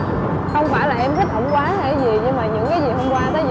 không phải là em thích ổng quá hay cái gì nhưng mà những cái gì